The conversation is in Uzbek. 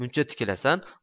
muncha tikilasan